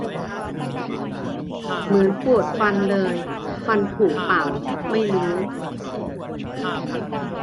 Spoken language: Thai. เหมือนปวดฟันเลยฟันผุป่าวไม่รู้